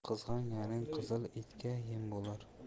qizg'anganing qizil itga yem bo'lar